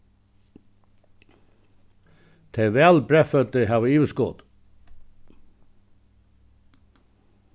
tey væl breyðføddu hava yvirskot